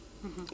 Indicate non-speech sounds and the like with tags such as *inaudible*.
*hesitation* *hesitation*